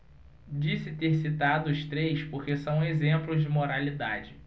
disse ter citado os três porque são exemplos de moralidade